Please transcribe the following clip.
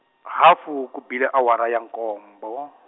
hafu ku bile awara ya nkombo.